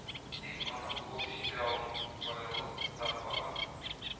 Тик аны куып җитә алмый, каерылып туктап кала